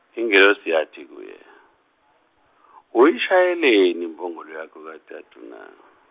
ingelosi yathi kuye, Uyishayeleni imbongolo yakho kathathu na?